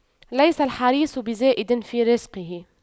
ليس الحريص بزائد في رزقه